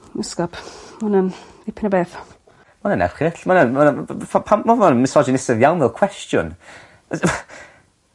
Iesgob ma' wnna'n dipyn o beth. Ma' wnna'n erchyll ma' wnna'n ma' wnna misogenistaidd iawn fel cwestiwn. As-